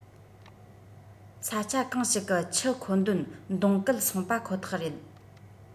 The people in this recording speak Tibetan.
ས ཆ གང ཞིག གི ཆུ མཁོ འདོན མདོང གད སོང པ ཁོ ཐག རེད